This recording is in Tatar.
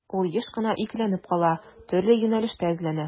Ул еш кына икеләнеп кала, төрле юнәлештә эзләнә.